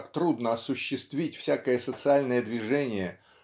так трудно осуществить всякое социальное движение